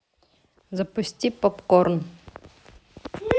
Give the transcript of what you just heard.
запусти попкорн